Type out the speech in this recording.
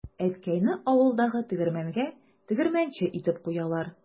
Әткәйне авылдагы тегермәнгә тегермәнче итеп куялар.